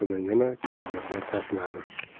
vaqtini yana kitoblarga sarfladi